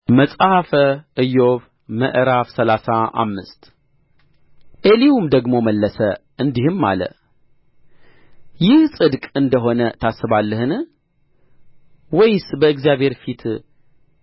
መጽሐፈ ኢዮብ ምዕራፍ ሰላሳ አምሰት ኤሊሁም ደግሞ መለሰ እንዲህም አለ ይህ ጽድቅ እንደ ሆነ ታስባለህን ወይስ በእግዚአብሔር ፊት